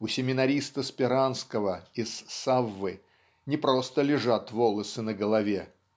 У семинариста Сперанского из "Саввы" не просто лежат волосы на голове